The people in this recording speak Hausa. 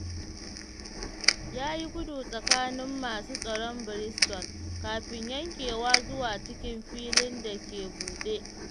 Ya yi gudu tsakanin masu tsaron Brighton, kafin yankewa zuwa cikin filin da ke buɗe.